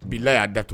Bi la y'a dato